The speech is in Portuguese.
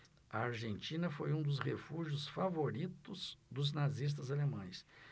a argentina foi um dos refúgios favoritos dos nazistas alemães